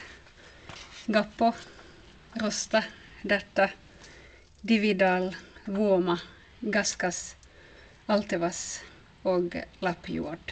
Gappo, Rosta, Daertta, Dividal, Vouma, Gaskas, Altevass og Lappjord.